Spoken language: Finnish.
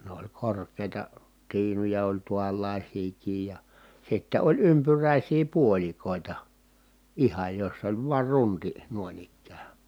ne oli korkeita tiinuja oli tuollaisiakin ja ja sitten oli ympyräisiä puolikoita ihan jossa oli vain runti noin ikään